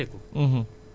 vingt mille franc ci million